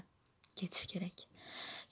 ketish kerak